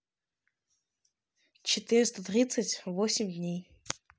четыреста тридцать восемь дней